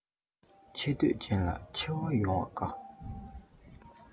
ཆེ འདོད ཅན ལ ཆེ བ ཡོང བ དཀའ